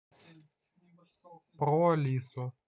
про алису